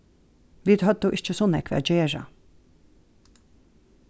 vit høvdu ikki so nógv at gera